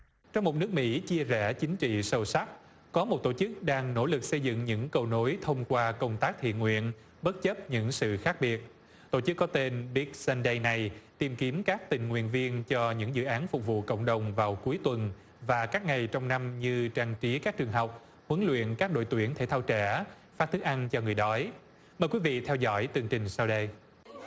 trong một nước mỹ chia rẽ chính trị sâu sắc có một tổ chức đang nỗ lực xây dựng những cầu nối thông qua công tác thiện nguyện bất chấp những sự khác biệt tổ chức có tên biết xăn đây này tìm kiếm các tình nguyện viên cho những dự án phục vụ cộng đồng vào cuối tuần và các ngày trong năm như trang trí các trường học huấn luyện các đội tuyển thể thao trẻ phát thức ăn cho người đói mời quý vị theo dõi tường trình sau đây